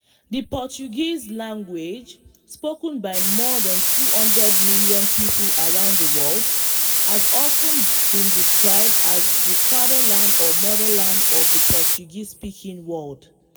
The Portuguese language, spoken by more than 200 million people around the world, has often been described as the “fatherland” or “motherland” of the Portuguese-speaking world.